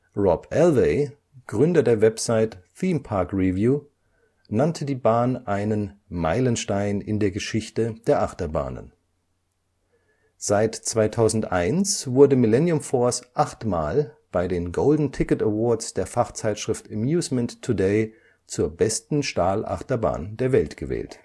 Robb Alvey, Gründer der Website Theme Park Review, nannte die Bahn einen „ Meilenstein in der Geschichte der Achterbahnen “. Seit 2001 wurde Millennium Force achtmal bei den Golden Ticket Awards der Fachzeitschrift Amusement Today zur besten Stahlachterbahn der Welt gewählt